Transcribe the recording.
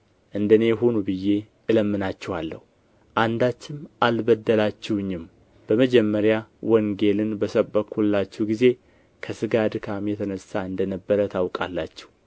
እንደ እኔ ሁኑ ብዬ እለምናችኋለሁ አንዳችም አልበደላችሁኝም በመጀመሪያ ወንጌልን በሰበክሁላችሁ ጊዜ ከሥጋ ድካም የተነሣ እንደ ነበረ ታውቃላችሁ